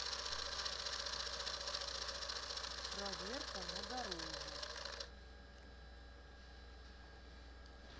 проверка на дорогах